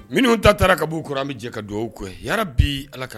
Minnu ta taara kabbu kɔrɔ an bɛ jɛ ka dugawu kuwahara bi ala ka